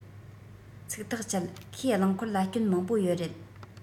ཚིག ཐག བཅད ཁོས རླངས འཁོར ལ སྐྱོན མང པོ ཡོད རེད